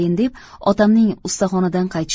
deb otamning ustaxonadan qaytishini